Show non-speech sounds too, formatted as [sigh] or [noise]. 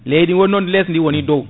leydi gonnodi less ndi woni dow [clears throat]